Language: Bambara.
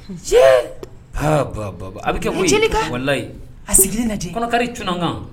Cɛɛ? Ba ba ba. A bi kɛ koyi. Ee jelika a sigilen labɛ kɔnɔkari Cunna n kan